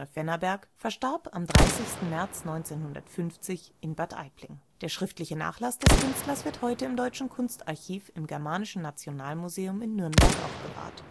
Wennerberg starb am 30. März 1950 in Bad Aibling. Der schriftliche Nachlass des Künstlers wird heute im Deutschen Kunstarchiv (DKA) im Germanischen Nationalmuseum, Nürnberg, aufbewahrt